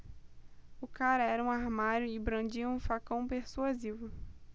o cara era um armário e brandia um facão persuasivo